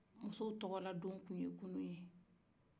musow tɔgɔla don tun ye kunu ye